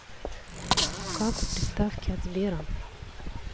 как в приставке от сбера